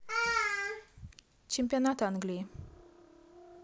чемпионат англии